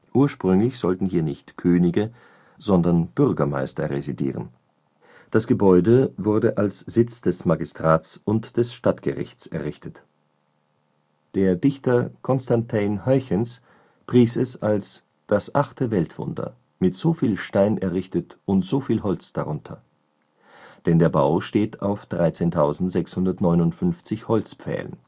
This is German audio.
Ursprünglich sollten hier nicht Könige, sondern Bürgermeister residieren; das Gebäude wurde als Sitz des Magistrats und des Stadtgerichts errichtet. Der Dichter Constantijn Huygens pries es als „ das achte Weltwunder, mit so viel Stein errichtet, und so viel Holz darunter “, denn der Bau steht auf 13.659 Holzpfählen